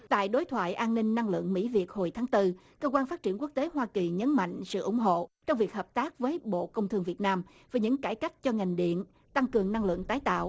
tại đối thoại an ninh năng lượng mỹ việc hồi tháng tư cơ quan phát triển quốc tế hoa kỳ nhấn mạnh sự ủng hộ trong việc hợp tác với bộ công thương việt nam với những cải cách cho ngành điện tăng cường năng lượng tái tạo